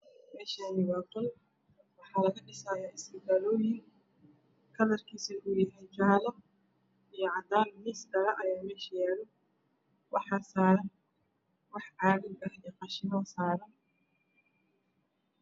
Meeshan waa qol waxa laga dhisayaa iskafaalooyin kalarkiisa uu yahay jale iyo cadaan miisdhala ah ayaa mesha yaalo waxaa saran waxa cadi ah iyo qashimaa saran